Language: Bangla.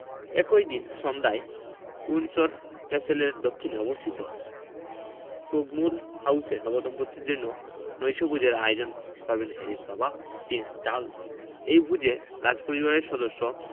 একই দিন সন্ধ্যায় উইন্ডসর ক্যাসেলের দক্ষিণে অবস্থিত ফ্রোগমোর হাউসে নবদম্পতির জন্য নৈশভোজের আয়োজন করবেন হ্যারির বাবা প্রিন্স চার্লস এই ভোজে রাজপরিবারের সদস্য